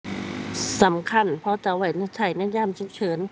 สำคัญ เพราะจะเอาไว้ในใช้ในยามฉุกเฉิน